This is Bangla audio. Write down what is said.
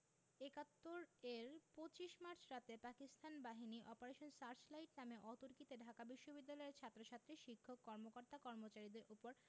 ৭১ এর ২৫ মার্চ রাতে পাকিস্তান বাহিনী অপারেশন সার্চলাইট নামে অতর্কিতে ঢাকা বিশ্ববিদ্যালয়ের ছাত্রছাত্রী শিক্ষক কর্মকর্তা কর্মচারীদের উপর